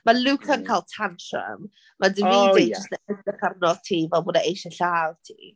Mae Luca yn cael tantrum, mae Davide just yn edrych arno ti fel bod e eisiau lladd ti.